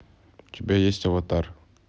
у тебя есть аватар